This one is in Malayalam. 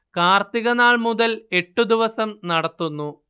കാർത്തിക നാൾ മുതൽ എട്ടു ദിവസം നടത്തുന്നു